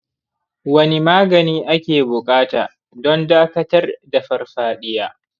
wani magani ake buƙata don dakatar da farfaɗiya?